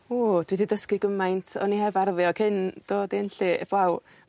O dwi 'di dysgu gymaint o'n i heb arddio cyn dod i Enlli fel